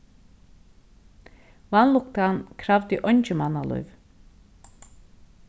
vanlukkan kravdi eingi mannalív